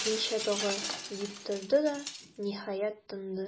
Әйтмичә тагы,- дип торды да, ниһаять, тынды.